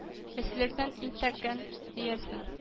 —эсселектән интеккән диярсең